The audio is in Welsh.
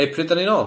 Hei pryd dan ni nôl?